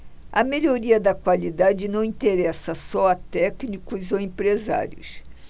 a melhoria da qualidade não interessa só a técnicos ou empresários